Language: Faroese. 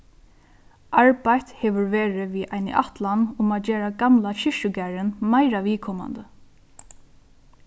arbeitt hevur verið við eini ætlan um at gera gamla kirkjugarðin meira viðkomandi